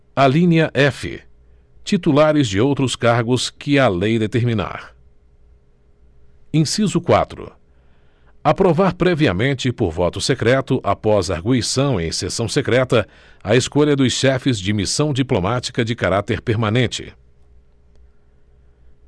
alínea f titulares de outros cargos que a lei determinar inciso quatro aprovar previamente por voto secreto após argüição em sessão secreta a escolha dos chefes de missão diplomática de caráter permanente